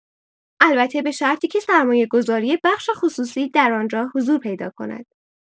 البته به شرطی که سرمایه‌گذاری بخش خصوصی در آنجا حضور پیدا کند.